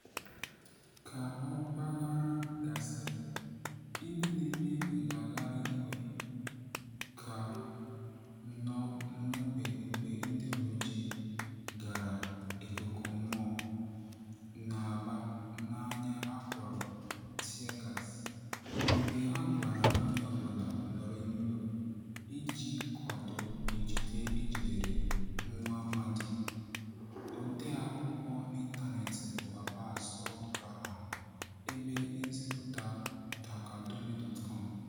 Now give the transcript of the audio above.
Ka ọgbaaghara gasịrị, ndị na-eme ngagharị iwe ka nọ n'ogbe mgbe ndị uweojii gbara ikuku mmụọ na-aba n'anya a kpọrọ 'tear gas' mgbe a gwara onye ọbụla nọrọ n'ụlọ iji kwado njide e jidere nwaamadị odeakụkọ n'ịntanetị bụ Abbass Ould Braham (Ebe Nzipụta: Taqadoumy.com)